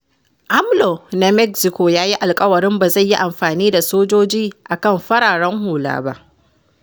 AMLO na Mexico ya yi alkawarin ba zai yi amfani da sojoji a kan fararen hula ba